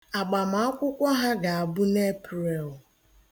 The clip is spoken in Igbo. Agbamakwụkwọ ha ga-abụ n'Epreel.